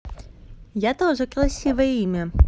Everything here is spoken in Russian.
я тоже красивое имя